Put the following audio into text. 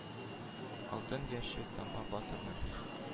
Алтын яше тама батырның.